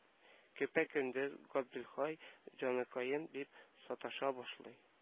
Көпә-көндез габделхәй җаныкаем дип саташа башлый